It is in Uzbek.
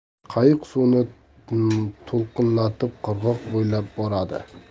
qayiq suvni to'lqinlatib qirg'oq bo'ylab boradi